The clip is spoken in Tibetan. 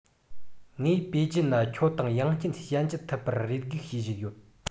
ངས པེ ཅིན ན ཁྱོད དང ཡང བསྐྱར ཞལ མཇལ ཐུབ པར རེ སྒུག བྱེད བཞིན ཡོད